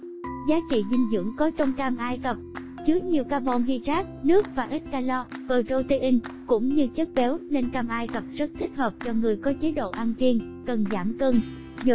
giá trị dinh dưỡng có trong cam ai chứa nhiều carbonhydrat nước và ít calo protein cũng như chất béo nên cam ai cập rất thích hợp cho người có chế độ ăn kiêng cần giảm cân